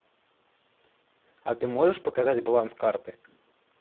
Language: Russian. а ты можешь показать баланс карты